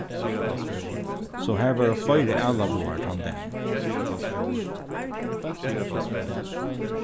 so har vóru fleiri ælabogar tann dagin